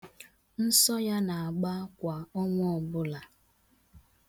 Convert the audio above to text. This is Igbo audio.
Nsọ ya na-agba kwa ọnwa ọbụla.